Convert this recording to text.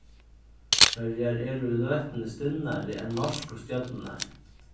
føroyar eru í løtuni stinnari enn norsku stjørnurnar